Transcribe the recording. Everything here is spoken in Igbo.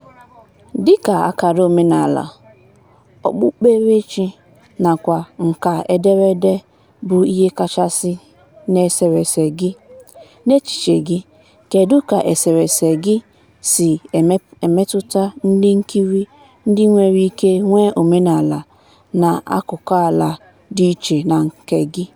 OM: Dika akara omenala/okpukperechi nakwa nkà ederede bụ ihe kachasị n'eserese gị, n'echiche gị, kedu ka eserese gị sị emetụta ndị nkiri ndị nwere ike nwee omenala na akụkọala dị iche na nke gị?